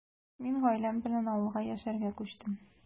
Мин гаиләм белән авылга яшәргә күчтем.